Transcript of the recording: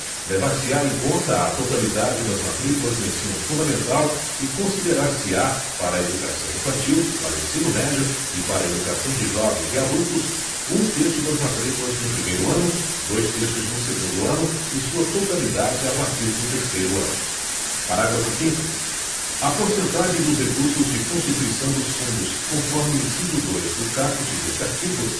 levar se á em conta a totalidade das matrículas no ensino fundamental e considerar se á para a educação infantil para o ensino médio e para a educação de jovens e adultos um terço das matrículas no primeiro ano dois terços no segundo ano e sua totalidade a partir do terceiro ano parágrafo quinto a porcentagem dos recursos de constituição dos fundos conforme o inciso dois do caput deste artigo